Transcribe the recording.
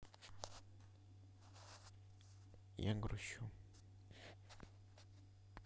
я грущу